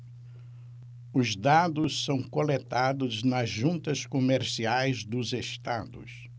os dados são coletados nas juntas comerciais dos estados